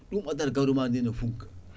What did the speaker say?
ɗum addata gawri ma ndi ne funkka